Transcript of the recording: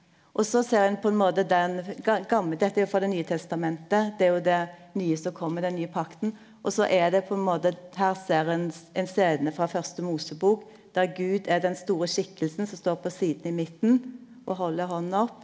og så ser ein på ein måte den gammal dette er jo frå det nye testamentet det er jo det nye som kjem den nye pakta og så er det på ein måte her ser ein ein stadane frå fyrste mosebok der gud er den store skikkelsen som står på sida i midten og held handa opp.